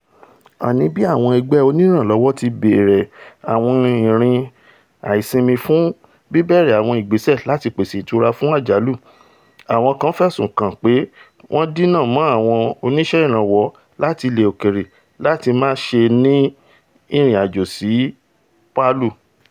Àní bí àwọn ẹgbẹ́ onírànlọ́wọ́ ti bẹ̀rẹ̀ àwọn ìrìn àìsinmi fún bíbẹ̀rẹ̀ àwọn ìgbésẹ̀ láti pèsè ìtura fún àjálù, àwọn kan fẹ̀sùn kan pé wọ́n dínà mọ́ àwọn oníṣẹ́ ìrànwọ́ láti ilẹ̀-òkèèrè láti máṣe rin ìrìn-àjò sí Palu.